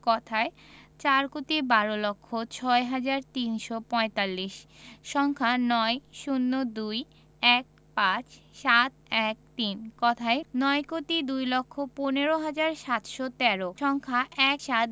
কথায়ঃ চার কোটি বার লক্ষ ছয় হাজার তিনশো পঁয়তাল্লিশ সংখ্যাঃ ৯ ০২ ১৫ ৭১৩ কথায়ঃ নয় কোটি দুই লক্ষ পনেরো হাজার সাতশো তেরো সংখ্যা ১৭